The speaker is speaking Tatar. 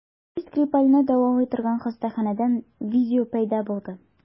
Сергей Скрипальне дәвалый торган хастаханәдән видео пәйда булды.